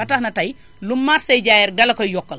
ba tax na tay lu marchés yi jaayee rekk dala koy yokkal